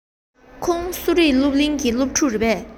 ཁོང གསོ རིག སློབ གླིང གི སློབ ཕྲུག རེད པས